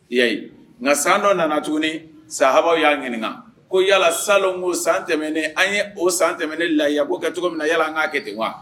I y'a ye, nka san dɔ nana tuguni, sahabaw y'a ɲininka; ko yala salongo san tɛmɛnen an ye o san tɛmɛnen lahiya ko kɛ cogo min yala an ka kɛ ten wa?